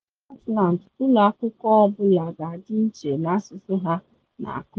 N’ime Scotland, ụlọ akwụkwọ ọ bụla ga-adị iche n’asụsụ ha na akuzi.